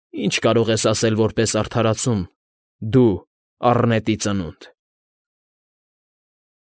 Ի՞նչ կարող ես ասել որպես արդարացում, դու, առնետի ծնունդ։ ֊